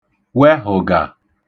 wehụ̀gà